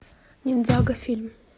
ниндзяго фильм